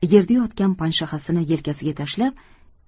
yerda yotgan panshaxasini yelkasiga tashlab